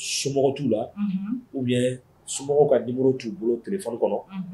So mɔgɔ t'u la ubiyɛn somɔgɔw ka nimoro t'u bolo tilefɔni kɔnɔ.